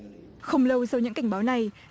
không lâu sau những cảnh báo này